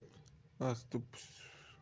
ayollari chevar ekan